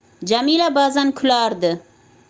jamila ba'zan kulardi